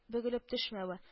Бөгелеп төшмәве